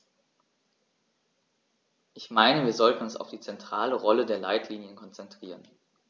Ich meine, wir sollten uns auf die zentrale Rolle der Leitlinien konzentrieren.